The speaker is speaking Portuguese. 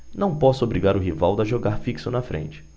não posso obrigar o rivaldo a jogar fixo na frente